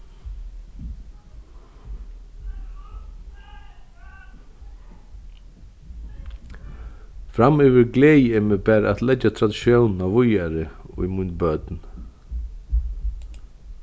framyvir gleði eg meg bara at leggja traditiónina víðari í míni børn